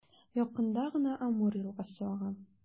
Якында гына Амур елгасы ага.